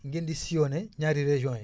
ngeen di sillonné ñaari régions yi